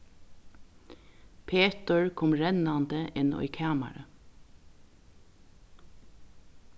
petur kom rennandi inn í kamarið